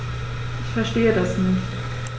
Verstehe das nicht.